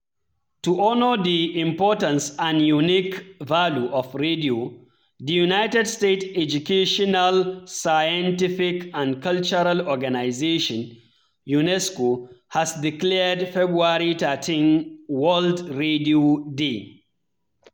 To honor the importance and unique value of radio, the United Nations Educational, Scientific and Cultural Organization (UNESCO) has declared February 13 World Radio Day.